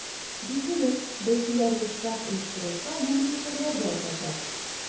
Билгеле, бәйгеләр ешрак оештырылса, мондый үсмерләр дә артачак.